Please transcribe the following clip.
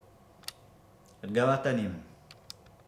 དགའ བ གཏན ནས མིན